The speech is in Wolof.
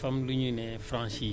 waaw xam nga dañu ne